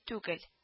Түгел